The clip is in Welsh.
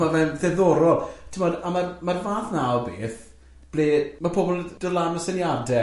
Ma fe'n ddiddorol t'mod a mae'r ma'r fath yna o beth ble ma' pobl yn dod lan o syniadau.